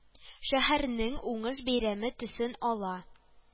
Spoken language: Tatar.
Шәһәрнең уңыш бәйрәме төсен ала